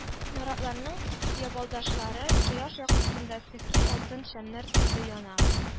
Наратларның ябалдашлары кояш яктысында сихри алтын шәмнәр төсле яна